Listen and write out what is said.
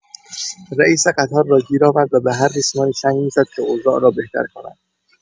رئیس قطار را گیر آورد و به هر ریسمانی چنگ می‌زد که اوضاع را بهتر کند.